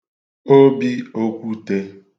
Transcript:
obi okwutē